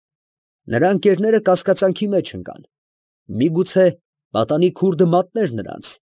Նրա ընկերները կասկածանքի մեջ ընկան, մի՛ գուցե պատանի քուրդը մատներ նրանց։